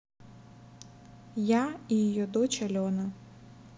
я и ее дочь алена